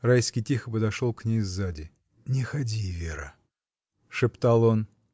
Райский тихо подошел к ней сзади. — Не ходи, Вера. — шептал он.